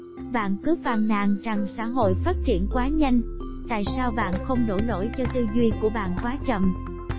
bạn cứ phàn nàn rằng xã hội phát triển quá nhanh tại sao bạn không đổ lỗi cho tư duy của bạn quá chậm